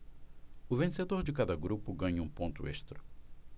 o vencedor de cada grupo ganha um ponto extra